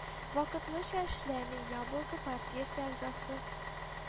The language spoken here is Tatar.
Вакытлыча эшләми, Яблоко партиясе әгъзасы